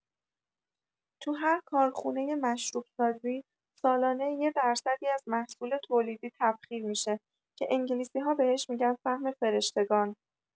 تو هر کارخونۀ مشروب‌سازی، سالانه یه درصدی از محصول تولیدی تبخیر می‌شه که انگلیسی‌ها بهش می‌گن سهم فرشتگان!